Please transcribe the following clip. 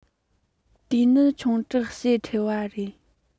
དེ ནི ཆུང དྲགས ཞེ ཁྲེལ བ རེད